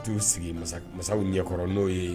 U t'u sigi mansa ɲɛkɔrɔ n'o ye